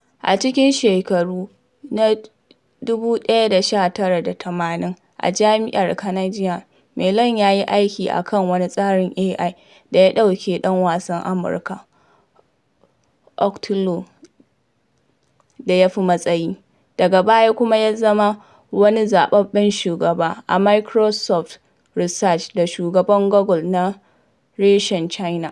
A cikin shekaru na 1980 a Jami’ar Carnegie Mellon ya yi aiki a kan wani tsarin AI da ya doke ɗan wasan Amurka Othello da ya fi matsayi, daga baya kuma ya zama wani zababben shugaba a Microsoft Research da shugaban Google na reshen China.